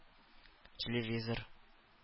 Телевизор